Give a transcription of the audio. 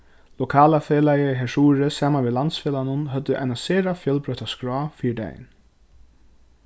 lokala felagið har suðuri saman við landsfelagnum høvdu eina sera fjølbroytta skrá fyri dagin